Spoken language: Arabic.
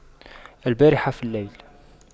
البارحة في الليل